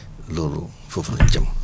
loolu foofu lañ jë